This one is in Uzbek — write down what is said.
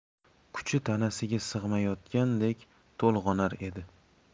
kuchi tanasiga sig'mayotgandek tolg'anar edi